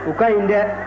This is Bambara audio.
u ka ɲi dɛ